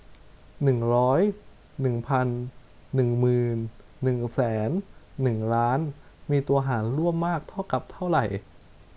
หนึ่งร้อยหนึ่งพันหนึ่งหมื่นหนึ่งแสนหนึ่งล้านมีตัวหารร่วมมากเท่ากับเท่าไหร่